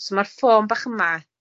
So ma'r ffôn bach yma...